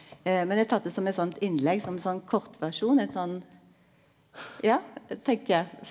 men det er tatt inn som eit sånt innlegg som ein sånn kortversjon eit sånn ja tenker eg.